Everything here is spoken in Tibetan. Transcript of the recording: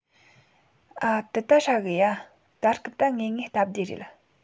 ཨ དེ ད ཧྲ གི ཡ ད སྐབས ད ངེས ངེས སྟབས བདེ རེད